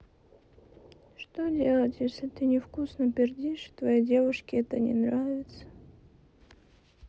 что делать если ты не вкусно пердишь и твоей девушке это не нравится